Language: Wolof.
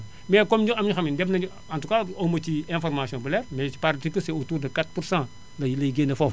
mais comme ñu am ñoo xam ne nii def nañu en tout cas awma ci information bu leer mais je pense que c' est au tour de 4% lay lay gñnee foofu